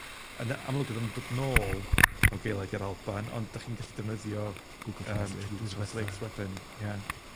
Yn amlwg o'dd o'n dod nôl mewn Gaeleg yr Alban, ond 'dych chi'n gallu defnyddio Google Translate... Google Translate. ...wedyn, ie.